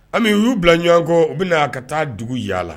An y'u bila ɲɔgɔn kɔ u bɛna na'a ka taa dugu yaa la